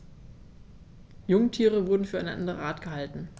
Jungtiere wurden für eine andere Art gehalten.